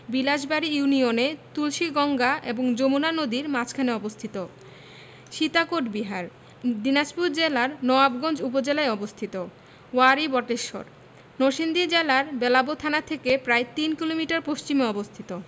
বিলাসবাড়ি ইউনিয়নে তুলসীগঙ্গা এবং যমুনা নদীর মাঝখানে অবস্থিত সীতাকোট বিহার দিনাজপুর জেলার নওয়াবগঞ্জ উপজেলায় অবস্থিত ওয়ারী বটেশ্বর নরসিংদী জেলার বেলাব থানা থেকে প্রায় তিন কিলোমিটার পশ্চিমে অবস্থিত